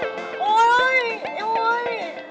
ồi ôi eo ơi